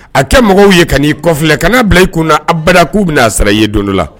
A kɛ mɔgɔw ye kan'i kɔ filɛ, kana bila i kunna abada k'u bɛna a sara i ye don dɔ la.